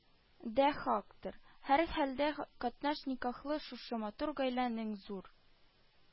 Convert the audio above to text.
Дә хактыр: һәрхәлдә, катнаш никахлы шушы матур гаиләнең зур